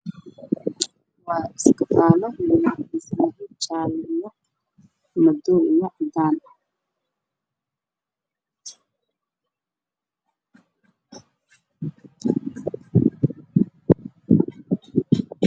Waa iskafaalo jaale madow iyo cadaan ah